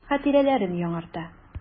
Карт хатирәләрен яңарта.